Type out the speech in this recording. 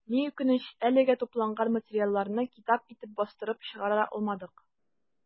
Ни үкенеч, әлегә тупланган материалларны китап итеп бастырып чыгара алмадык.